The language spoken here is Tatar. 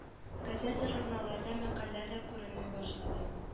Газета-журналларда мәкаләләр дә күренми башлады